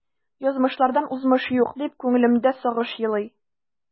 Язмышлардан узмыш юк, дип күңелемдә сагыш елый.